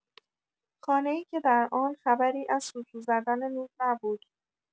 خانه‌ای که در آن خبری از سوسو زدن نور نبود.